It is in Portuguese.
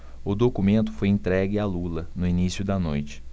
o documento foi entregue a lula no início da noite